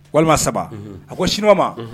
Walima saba a ko sunma